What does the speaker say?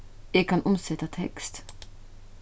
eg kann umseta tekst